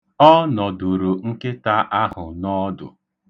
Ọ nọdoro nkịta ahụ n'ọdụ.